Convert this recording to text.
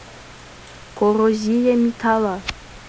коррозия металла